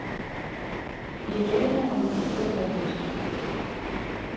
деревня амурской области